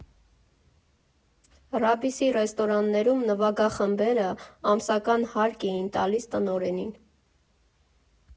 ՌԱԲԻՍ֊ի ռեստորաններում նվագախմբերը ամսական «հարկ» էին տալիս տնօրենին։